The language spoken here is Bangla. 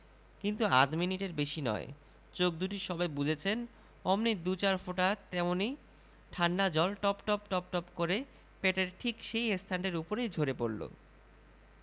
কিন্তু আধ মিনিটের বেশি নয় চোখ দুটি সবে বুজেছেন অমনি দু চার ফোঁটা তেমনি ঠাণ্ডা জল টপটপ টপটপ কর পেটের ঠিক সেই স্থানটির উপরেই ঝরে পড়ল